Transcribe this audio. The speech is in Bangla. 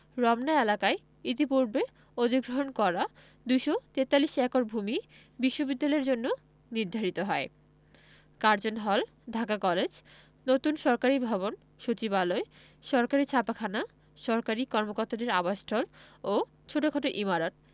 রমনা এলাকায় ইতিপূর্বে অধিগ্রহণ করা ২৪৩ একর ভূমি বিশ্ববিদ্যালয়ের জন্য নির্ধারিত হয় কার্জন হল ঢাকা কলেজ নতুন সরকারি ভবন সচিবালয় সরকারি ছাপাখানা সরকারি কর্মকর্তাদের আবাসস্থল ও ছোটখাট ইমারত